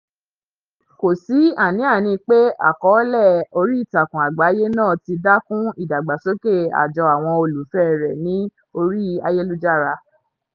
Kò sí àníàní pé àkọọ́lẹ̀ oríìtakùn àgbáyé náà ti dá kún ìdàgbàsókè àjọ àwọn olùfẹ́ rẹ̀ ní orí ayélujára.